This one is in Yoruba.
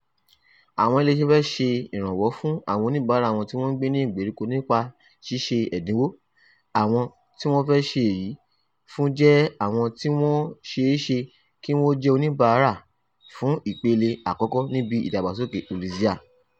Àwọn ilé iṣẹ́ fẹ́ ṣe ìrànwọ́ fún àwọn oníbàárà tí wọ́n ń gbé ní ìgbèríko nípa ṣíṣe ẹ̀dínwó àwọn tí wọ́n fẹ́ ṣe èyí fún jẹ́ àwọn tí wọ́n ṣeéṣe kí wọn ó jẹ́ oníbàárà fún ìpele àkọ́kọ́ níbi ìdàgbàsókè Uliza.